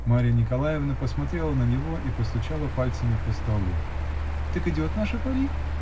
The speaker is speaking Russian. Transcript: Марья Николаевна посмотрела на него и постучала пальцами по столу. -- Так идет ваше пари?